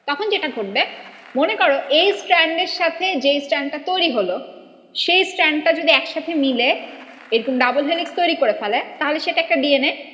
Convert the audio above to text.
তখন যেটা ঘটবে মনে কর এই স্ট্র্যান্ড এর সাথে যেই স্ট্র্যান্ড টা তৈরি হল সেই